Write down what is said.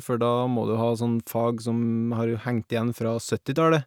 For da må du ha sånne fag som har hengt igjen fra syttitallet.